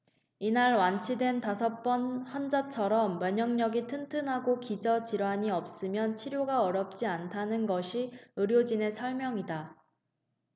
이날 완치된 다섯 번 환자처럼 면역력이 튼튼하고 기저 질환이 없으면 치료가 어렵지 않다는 것이 의료진의 설명이다